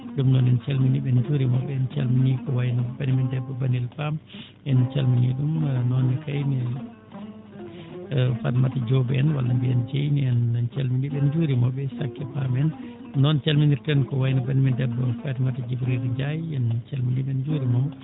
Ɗuum noon en calminii ɓe en njuuriima ɓe en calminii ko wayi no banii men debbo Banel Pam en calminii ɗum noon ne kayne Farmata Diop en walla mbiyen jeyni en en calminii ɓe en njuuriima ɓe e Sacké Pam en noon calminirten ko wayi no banii men debbo Fatimata djibril ndiaye en calminii ɓe en njuuriima mo